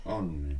on niin